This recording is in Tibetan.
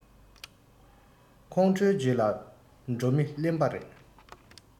ཁོང ཁྲོའི རྗེས ལ འགྲོ མི གླེན པ རེད